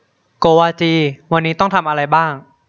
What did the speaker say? โกวาจีวันนี้ต้องทำอะไรบ้าง